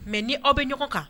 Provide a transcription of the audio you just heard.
Mɛ ni aw bɛ ɲɔgɔn kan